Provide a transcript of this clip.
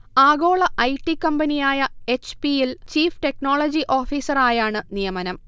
ആഗോള I. T. കമ്പനിയായ H. P. യിൽ ചീഫ് ടെക്നോളജി ഓഫീസറായാണ് നിയമനം